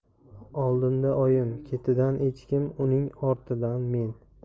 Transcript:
oldinda oyim ketidan echkim uning ortidan men